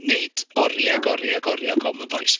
Weud oriau ac oriau ac oriau o Common Voice.